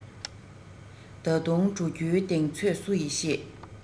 ད དུང འགྲོ རྒྱུའི གདེང ཚོད སུ ཡིས ཤེས